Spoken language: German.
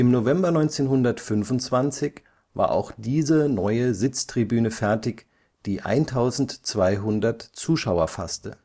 November 1925 war auch diese neue Sitztribüne fertig, die 1.200 Zuschauer fasste